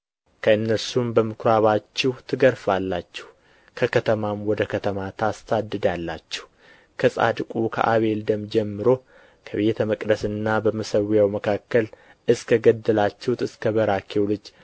ከእነርሱም በምኵራባችሁ ትገርፋላችሁ ከከተማም ወደ ከተማ ታሳድዳላችሁ ከጻድቁ ከአቤል ደም ጀምሮ በቤተ መቅደስና በመሠዊያው መካከል እስከ ገደላችሁት እስከ በራክዩ ልጅ